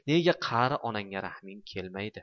nega qari onangga rahming kelmadi